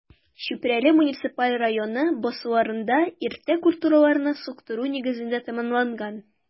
Чүпрәле муниципаль районы басуларында иртә культураларны суктыру нигездә тәмамланган.